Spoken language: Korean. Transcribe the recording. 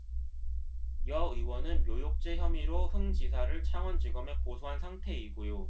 여 의원은 묘욕죄 혐의로 홍 지사를 창원지검에 고소한 상태이구요